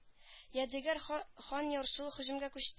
Ядегәр хан-хан ярсулы һөҗүмгә күчте